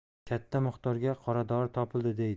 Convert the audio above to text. katta miqdorda qoradori topildi deydi